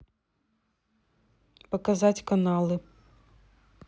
показать каналы